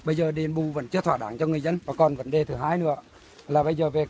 bây giờ đền bù vẫn chưa thỏa đáng cho người dân và còn vấn đề thứ hai nữa là bây giờ về